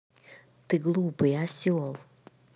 ты глупый осел